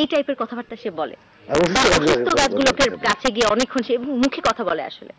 এই টাইপের কথাবার্তা সে বলে অসুস্থ গাছগুলোর তার অসুস্থ গাছগুলোকে কাছে গিয়ে সে মুখে কথা বলে আসলে